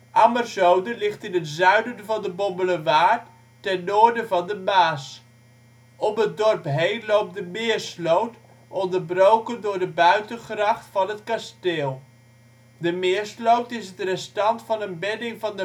Ammerzoden ligt in het zuiden van de Bommelerwaard, ten noorden van de Maas. Om het dorp heen loopt de Meersloot, onderbroken door de buitengracht van het kasteel. De Meersloot is het restant van een bedding van